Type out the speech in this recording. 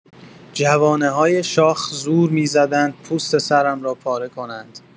جوانه‌های شاخ زور می‌زدند پوست سرم را پاره کنند.